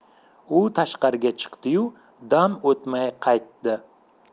u tashqariga chiqdi yu dam o'tmay qaytdi